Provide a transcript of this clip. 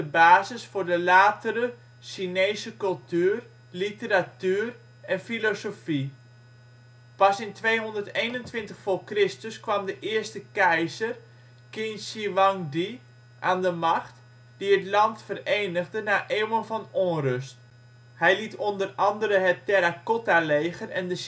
basis voor de latere Chinese cultuur, literatuur en filosofie. Pas in 221 v.Chr kwam de eerste keizer, Qin Shi Huangdi, aan de macht, die het land verenigde na eeuwen van onrust. Hij liet onder andere het Terracottaleger en de